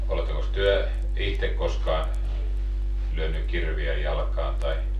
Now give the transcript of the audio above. olettekos te itse koskaan lyönyt kirveellä jalkaan tai